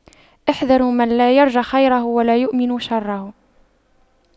احذروا من لا يرجى خيره ولا يؤمن شره